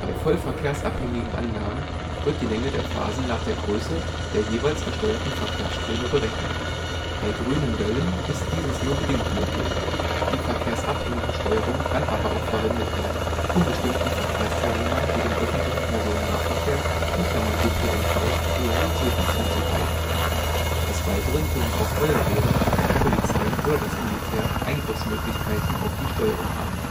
vollverkehrsabhängigen Anlagen wird die Länge der Phasen nach der Größe der jeweils gesteuerten Verkehrsströme berechnet. Bei grünen Wellen ist dieses nur bedingt möglich. Die verkehrsabhängige Steuerung kann aber auch verwendet werden, um bestimmten Verkehrsteilnehmern wie dem öffentlichen Personennahverkehr (ÖPNV) Prioritäten zuzuteilen. Des Weiteren können auch Feuerwehren, die Polizeien oder das Militär Eingriffsmöglichkeiten auf die Steuerung haben